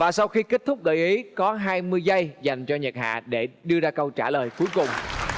và sau khi kết thúc gợi ý có hai mươi giây dành cho nhật hà để đưa ra câu trả lời cuối cùng